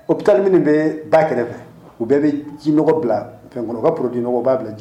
O bitali minnu bɛ ba kɛrɛfɛ u bɛɛ bɛ jiɔgɔ bila kɔnɔba pur diɔgɔ' bila ji